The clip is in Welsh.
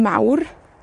mawr.